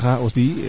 a xa basantoor